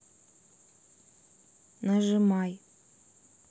нажимай